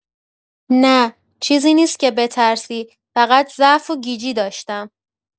نه، چیزی نیست که بترسی، فقط ضعف و گیجی داشتم.